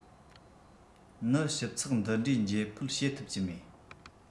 ནི ཞིབ ཚགས འདི འདྲའི འབྱེད ཕོད བྱེད ཐུབ ཀྱི མེད